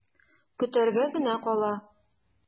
Көтәргә генә кала.